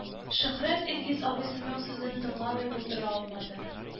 Шөһрәт Илгиз абыйсының сүзен тыңламый булдыра алмады